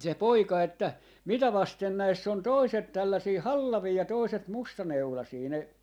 se poika että mitä vasten näissä on toiset tällaisia hallavia ja toiset mustaneulaisia ne